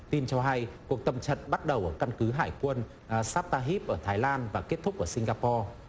tin cho hay cuộc tập trận bắt đầu ở căn cứ hải quân xắt ta híp ở thái lan và kết thúc ở sing ga po